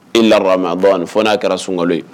I la fɔ n'a kɛra sunkolo ye